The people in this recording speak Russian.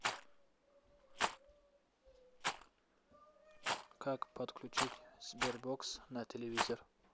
как подключить sberbox на телевизор